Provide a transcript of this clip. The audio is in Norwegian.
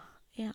Ja.